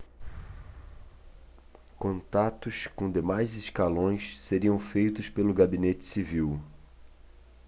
contatos com demais escalões seriam feitos pelo gabinete civil